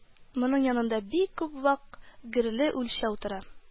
Моның янында бик күп вак герле үлчәү тора